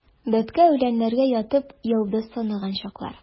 Бәбкә үләннәргә ятып, йолдыз санаган чаклар.